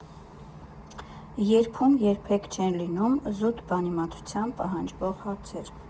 Ե՞րբ»֊ում երբեք չեն լինում զուտ բանիմացություն պահանջող հարցեր.